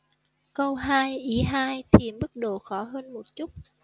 câu hai ý hai thì mức độ khó hơn một chút